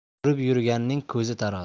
ko'rib yurganning ko'zi tarozi